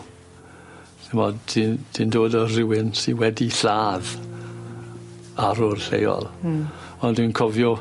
'mod, ti'n ti'n dod o rywun sy wedi lladd arwr lleol. Hmm. On' dwi'n cofio